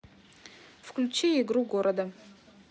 включи игру города